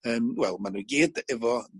yym wel ma' n'w i gyd efo